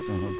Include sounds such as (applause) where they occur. (noise) (hesitation) (hesitation)